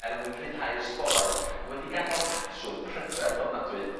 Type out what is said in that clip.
er mwyn rhydhau'r sborau a ma' wedi gadael patrwm prydferth ofnadwy.